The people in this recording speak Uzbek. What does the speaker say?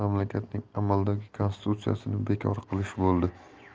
mamlakatning amaldagi konstitutsiyasini bekor qilish bo'ldi